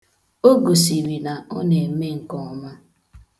O gosiri na o na-eme nke ọma.